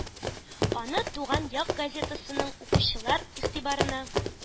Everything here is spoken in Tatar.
Аны «Туган як» газетасын укучылар игътибарына